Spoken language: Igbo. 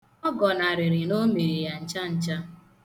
Ọ gọnarịrị na o mere ya ncha ncha.